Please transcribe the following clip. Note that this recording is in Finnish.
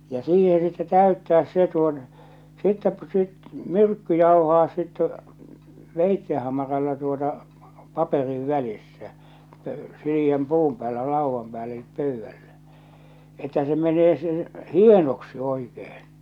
ja siihen sitten täyttää se - sitten - myrkky jauhaa sitten veitsen hamaralla tuota paperin välissä - sileän puun päällä laudan päällä eli pöydällä että se menee se hienoksi oikein